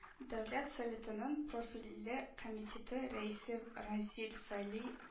Дәүләт советының профильле комитеты рәисе разил вәли